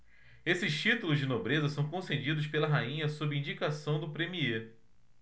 esses títulos de nobreza são concedidos pela rainha sob indicação do premiê